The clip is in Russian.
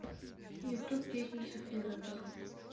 ютуб песня софия ротару